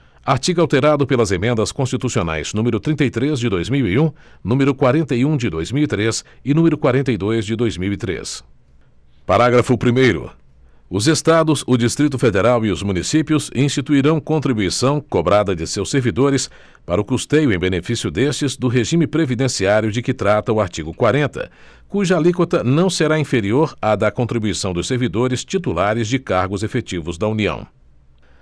artigo alterado pelas emendas constitucionais número trinta e três de dois mil e um número quarenta e um de dois mil e três e número quarenta e dois de dois mil e três parágrafo primeiro os estados o distrito federal e os municípios instituirão contribuição cobrada de seus servidores para o custeio em benefício destes do regime previdenciário de que trata o artigo quarenta cuja alíquota não será inferior à da contribuição dos servidores titulares de cargos efetivos da união